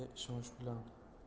dedi ishonch bilan